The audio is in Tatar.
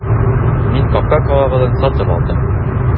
Мин капка каравылын сатып алдым.